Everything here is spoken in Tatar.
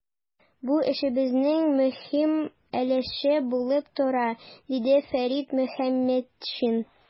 Бу эшебезнең мөһим өлеше булып тора, - диде Фәрит Мөхәммәтшин.